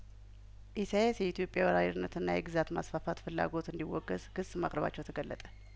ኢሳያስ የኢትዮጵያ ወራሪነትና የግዛት ማስፋፋት ፍላጐት እንዲወገዝ ክስ ማቅረባቸው ተገለጠ